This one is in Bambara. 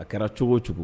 A kɛra cogo o cogo